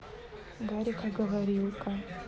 гаррика говорилка